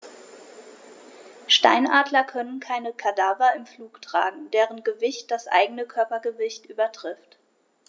Steinadler können keine Kadaver im Flug tragen, deren Gewicht das eigene Körpergewicht übertrifft.